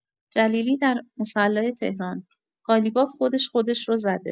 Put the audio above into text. جلیلی در مصلی تهران: قالیباف خودش، خودش رو زده!